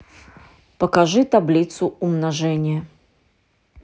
покажи таблицу умножения